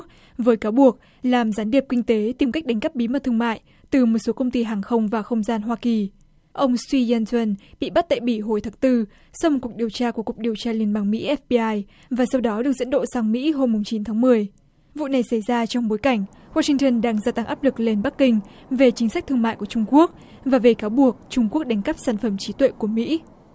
với cáo buộc làm gián điệp kinh tế tìm cách đánh cắp bí mật thương mại từ một số công ty hàng không và không gian hoa kỳ ông si dan tuân bị bắt tại bỉ hồi tháng tư sau một cuộc điều tra của cục điều tra liên bang mỹ ép bi ai và sau đó được dẫn độ sang mỹ hôm mùng chín tháng mười vụ này xảy ra trong bối cảnh goa sinh tân đang gia tăng áp lực lên bắc kinh về chính sách thương mại của trung quốc và về cáo buộc trung quốc đánh cắp sản phẩm trí tuệ của mỹ